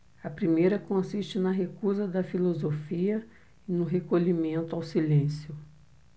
a primeira consiste na recusa da filosofia e no recolhimento ao silêncio